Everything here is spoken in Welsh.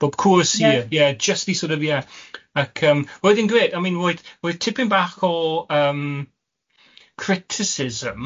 Bob cŵr y Sir ie jyst i sort of ie ac yym roedd hi'n gre-, I mean roedd tipyn bach o yym criticism.